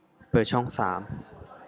เปิดช่องสาม